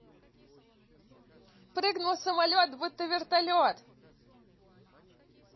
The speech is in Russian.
прыгнул самолет будто вертолет